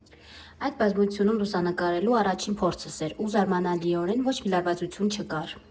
Այդ բազմությունում լուսանկարելու առաջին փորձս էր, ու զարմանալիորեն ոչ մի լարվածություն չկար։